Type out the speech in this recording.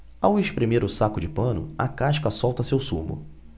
ao espremer o saco de pano a casca solta seu sumo